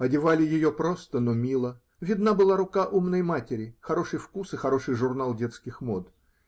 Одевали ее просто, но мило, видна была рука умной матери, хороший вкус и хороший журнал детских мод.